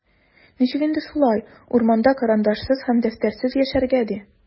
Ничек инде шулай, урманда карандашсыз һәм дәфтәрсез яшәргә, ди?!